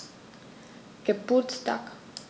Geburtstag